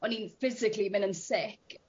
o'n i'n physically myn' yn sick